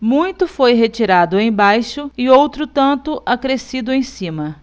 muito foi retirado embaixo e outro tanto acrescido em cima